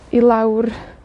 I lawr